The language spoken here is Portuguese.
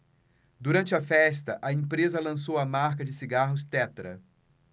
durante a festa a empresa lançou a marca de cigarros tetra